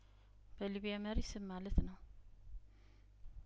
በሊቢያው መሪ ስም ማለት ነው